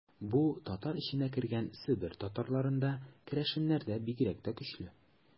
Бу татар эченә кергән Себер татарларында, керәшеннәрдә бигрәк тә көчле.